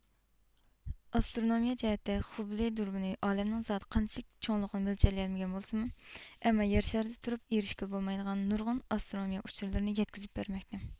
ئاسترونومىيە جەھەتتە خۇببلې دۇربۇنى ئالەمنىڭ زادى قانچىلىك چوڭلۇقىنى مۆلچەرلىيەلمىگەن بولسىمۇ ئەمما يەر شارىدا تۇرۇپ ئېرىشكىلى بولمايدىغان نۇرغۇن ئاسترونومىيە ئۇچۇرلىرىنى يەتكۈزۈپ بەرمەكتە